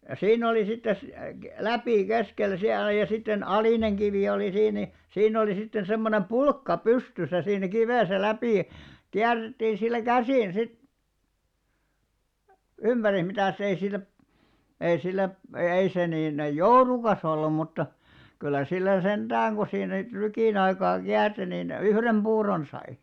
siinä oli - läpi keskeltä siellä ja sitten alinen kivi oli siinä niin siinä oli sitten semmoinen pulkka pystyssä siinä kivessä läpi kierrettiin sillä käsin sitten ympäri mitäs ei sillä ei sillä - ei se niin joudukas ollut mutta kyllä sillä sentään kun siinä niitä trykin aikaa kiersi niin yhden puuron sai